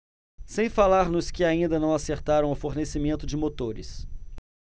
sem falar nos que ainda não acertaram o fornecimento de motores